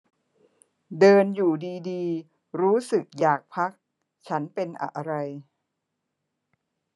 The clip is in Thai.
เดินอยู่ดีดีรู้สึกอยากพักฉันเป็นอะไร